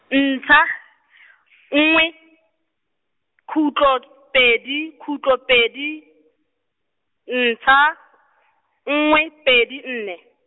ntsha , nngwe, khutlo, pedi khutlo pedi, ntsha , nngwe pedi nne.